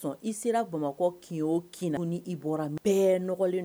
I sera Bamakɔ kin à kin na , ko n'i bɔra bɛɛ nɔgɔlen don.